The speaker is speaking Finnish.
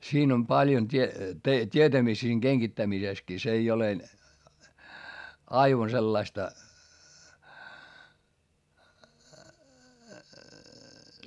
siinä on paljon - tietämistä siinä kengittämisessäkin se ei ole aivan sellaista